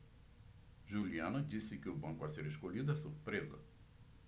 juliana disse que o banco a ser escolhido é surpresa